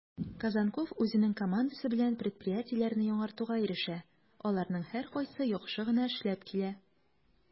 Козонков үзенең командасы белән предприятиеләрне яңартуга ирешә, аларның һәркайсы яхшы гына эшләп килә: